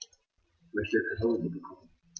Ich möchte Kartoffelsuppe kochen.